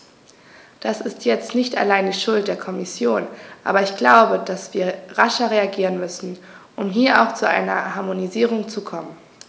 Das ist jetzt nicht allein die Schuld der Kommission, aber ich glaube, dass wir rascher reagieren müssen, um hier auch zu einer Harmonisierung zu kommen.